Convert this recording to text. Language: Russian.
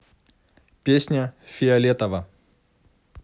песня фиолетово